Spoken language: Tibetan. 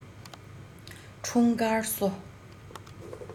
འཁྲུངས སྐར བསུ